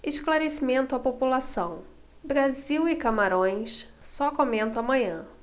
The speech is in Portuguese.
esclarecimento à população brasil e camarões só comento amanhã